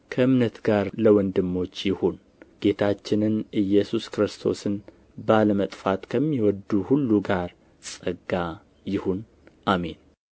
ከእምነት ጋር ለወንድሞች ይሁን ጌታችንን ኢየሱስ ክርስቶስን ባለመጥፋት ከሚወዱ ሁሉ ጋር ጸጋ ይሁን አሜን